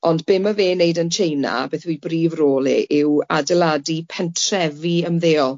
Ond be ma' fe'n neud yn Tsieina beth yw ei brif rôl e yw adeiladu pentrefi ymddeol.